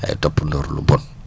waaye toppandoor lu bon